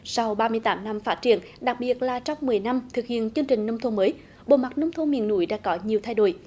sau ba mươi tám năm phát triển đặc biệt là trong mười năm thực hiện chương trình nông thôn mới bộ mặt nông thôn miền núi đã có nhiều thay đổi